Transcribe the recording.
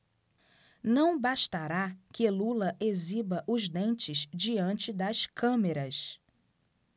não bastará que lula exiba os dentes diante das câmeras